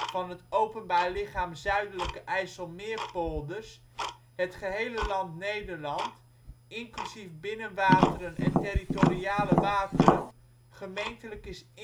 van het Openbaar Lichaam Zuidelijke IJsselmeerpolders) het gehele land Nederland (inclusief binnenwateren en territoriale wateren) gemeentelijk is